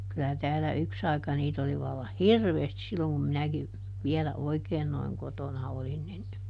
kyllä täällä yksi aika niitä oli vallan hirveästi silloin kun minäkin vielä oikein noin kotona olin niin